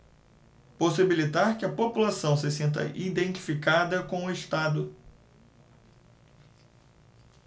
possibilitar que a população se sinta identificada com o estado